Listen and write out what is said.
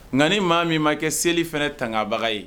Nka ni maa min ma kɛ seli fana tangabaga ye